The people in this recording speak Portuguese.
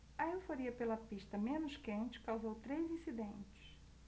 a euforia pela pista menos quente causou três incidentes